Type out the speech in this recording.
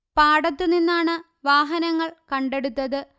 പാടത്തുനിന്നാണ് വാഹനങ്ങൾ കണ്ടെടുത്തത്